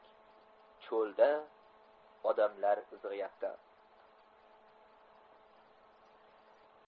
cho'lda odamlar izg'iyapti